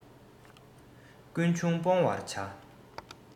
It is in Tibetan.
ཀུན འབྱུང སྤོང བར བྱ